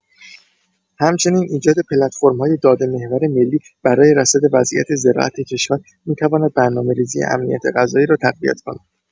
همچنین ایجاد پلتفرم‌های داده‌محور ملی برای رصد وضعیت زراعت کشور می‌تواند برنامه‌ریزی امنیت غذایی را تقویت کند.